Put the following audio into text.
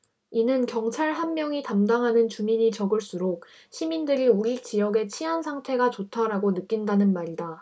이는 경찰 한 명이 담당하는 주민이 적을수록 시민들이 우리 지역의 치안 상태가 좋다라고 느낀다는 말이다